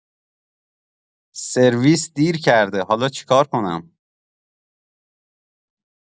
سرویس دیر کرده حالا چیکار کنم؟